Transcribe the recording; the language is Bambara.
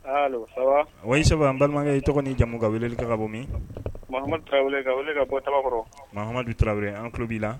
Alo sava ? Oui sava an balimakɛ i tɔgɔ ni jamu, ka weleli kɛ ka bɔ min ? Mahamadu Tarawele ka weleli kɛ ka bɔ Tabakɔrɔ . Mahamadu Tarawele an kulo bi la.